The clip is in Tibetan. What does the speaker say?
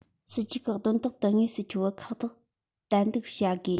སྲིད ཇུས ཁག དོན ཐོག ཏུ དངོས སུ འཁྱོལ བར ཁག ཐེག ཏན ཏིག བྱ དགོས